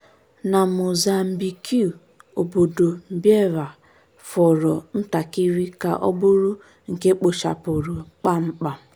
Na Mozambique, obodo Beira fọrọ ntakịrị ka ọ bụrụ nke ekpochapụrụ kpamkpam.